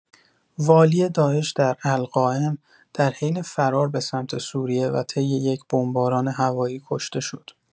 والی داعش در القائم، در حین فرار به سمت سوریه و طی یک بمباران هوایی کشته شد.